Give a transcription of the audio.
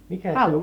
mikäs sen